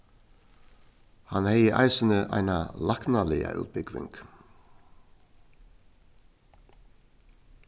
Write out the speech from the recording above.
hann hevði eisini eina læknaliga útbúgving